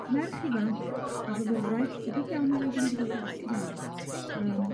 Merch ifanc, yn fyfyrwraig, debyg iawn i'r rei 'dan ni 'di gweld ar y sgrîn, yym...